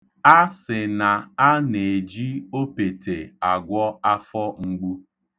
A sị na a na-eji opete agwọ afọ mgbu.